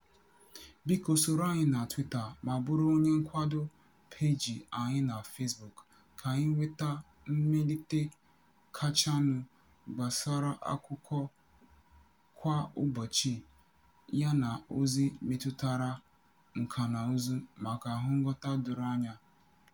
Biko soro anyị na Twitter ma bụrụ onye nkwado peeji anyị na Facebook ka i nweta mmelite kachanụ gbasara akụkọ kwa ụbọchị yana ozi metụtara nkànaụzụ maka nghọta doro anya.